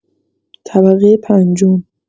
طبقه پنجم